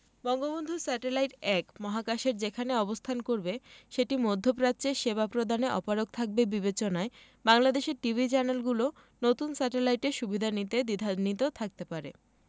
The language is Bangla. বঙ্গবন্ধু স্যাটেলাইট ১ মহাকাশের যেখানে অবস্থান করবে সেটি মধ্যপ্রাচ্যে সেবা প্রদানে অপারগ থাকবে বিবেচনায় বাংলাদেশের টিভি চ্যানেলগুলো নতুন স্যাটেলাইটের সুবিধা নিতে দ্বিধান্বিত থাকতে পারে